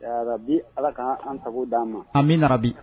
Jarabi ala ka an sagogo di' an ma an bɛ nabi